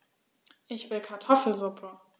Ich will Kartoffelsuppe.